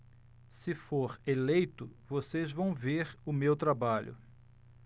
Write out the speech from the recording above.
se for eleito vocês vão ver o meu trabalho